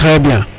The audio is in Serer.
Trés bien